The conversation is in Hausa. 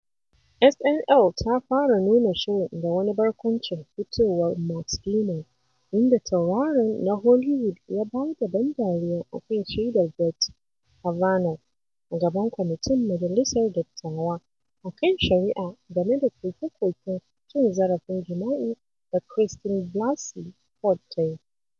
SNL ya fara nuna shirin da wani barkwancin fitowar Matt Damon inda tauraron na Hollywood ya ba da ban dariya a kan shaidar Brett Kavanaugh a gaban Kwamitin Majalisar Dattawa a kan Shari'a game da koke-koken cin zarafin jima'i da Christine Blasey Ford ta yi.